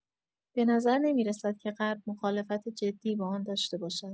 به نظر نمی‌رسد که غرب مخالفت جدی با آن داشته باشد.